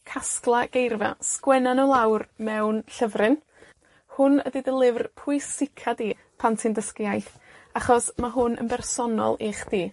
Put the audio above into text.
Casgla geirfa. Sgwenna nw lawr mewn llyfryn. Hwn ydi dy lyfr pwysica di, pan ti;n dysgu iaith, achos ma' hwn yn bersonol i chdi.